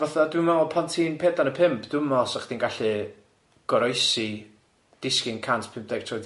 Fatha dwi'n me'l pan ti'n pedwar neu pump dwi'm yn me'l 'sa chdi'n gallu goroesi disgyn cant pum deg troedfedd.